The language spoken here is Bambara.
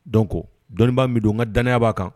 Donc dɔnibaa min don ŋa danaya b'a kan